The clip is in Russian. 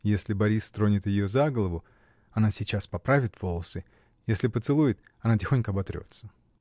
Если Борис тронет ее за голову, она сейчас поправит волосы, если поцелует, она тихонько оботрется.